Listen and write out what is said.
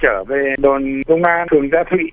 rồi công an phường gia thụy